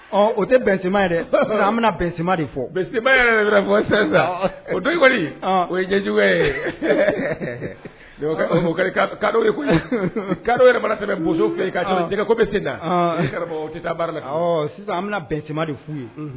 Ɔ o tɛ bɛn yɛrɛ an bɛna bɛnma de fɔba yɛrɛ sisan o kulubali o yejugu ye ka yedɔ yɛrɛ' tɛmɛ fɛ kajɛ ko bɛ sen tɛ taa baara la sisan an bɛna bɛn de fuu ye